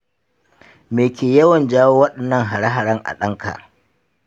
me ke yawan jawo waɗannan hare-haren a ɗanka?